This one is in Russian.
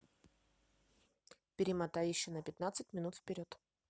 перемотай еще на пятнадцать минут вперед